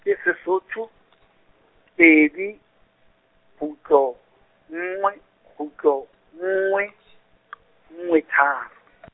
ke Sesotho, pedi, kgutlo, nngwe kgutlo nngwe , nngwe tharo.